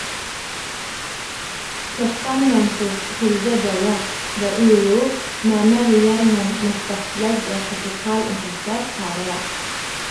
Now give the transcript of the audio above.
Førsteamanuensis Hilde Bojer ved UiO mener regjeringen må skattlegge kapitalinntekter hardere.